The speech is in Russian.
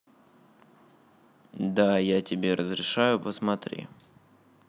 да я тебе разрешаю посмотри